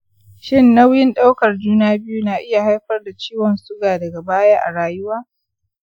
shin nauyin ɗaukar juna-biyu na iya haifar da ciwon suga daga baya a rayuwa?